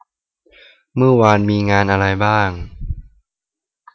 เมื่อวานมีงานอะไรบ้าง